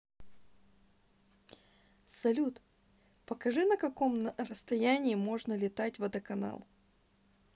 салют покажи на на каком расстоянии можно летать водоконал